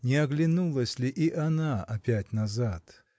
Не оглянулась ли и она опять назад?